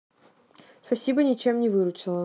спасибо ничем не выручила